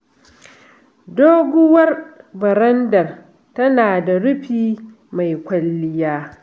Doguwar barandar tana da rufi mai kwalliya.